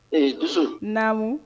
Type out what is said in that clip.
Ee dusu naamu